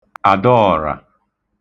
Àdaọ̀rà